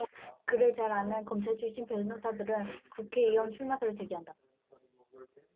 그를 잘 아는 검찰 출신 변호사들은 국회의원 출마설을 제기한다